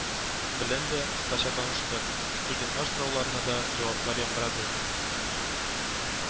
Белән дә кыскача таныштык, студентлар сорауларына да җаваплар яңгырады